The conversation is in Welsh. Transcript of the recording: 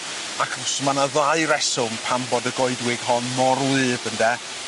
achws ma' 'na ddau reswm pam bod y goedwig hon mor wlyb ynde